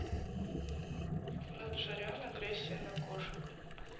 наджарян агрессия на кошек